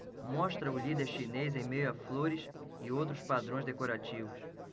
mostra o líder chinês em meio a flores e outros padrões decorativos